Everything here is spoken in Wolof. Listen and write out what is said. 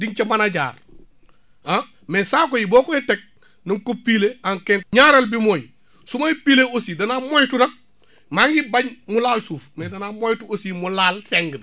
di nga ca man a jaar ah mais saako yi boo koy teg na nga ko piler en kee ñaareel bi mooy sumay piler aussi danaa moytu nag maa ngi bañ mu laal suuf mais danaa moytu aussi mu laal seng bi